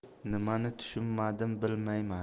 nimani tushunmadim bilmayman